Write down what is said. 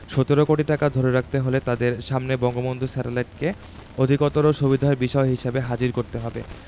১৭ কোটি টাকা ধরে রাখতে হলে তাদের সামনে বঙ্গবন্ধু স্যাটেলাইটকে অধিকতর সুবিধার বিষয় হিসেবে হাজির করতে হবে